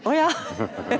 åja .